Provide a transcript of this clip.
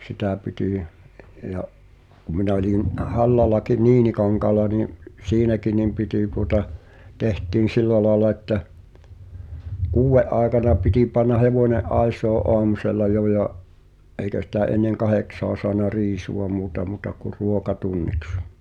sitä piti - ja kun minä olin Hallallakin Niinikankaalla niin siinäkin niin piti tuota tehtiin sillä lailla että kuuden aikana piti panna hevonen aisoihin aamusella jo ja eikä sitä ennen kahdeksaa saanut riisua muuta mutta kuin ruokatunniksi